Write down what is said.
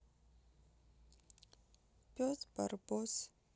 пес барбос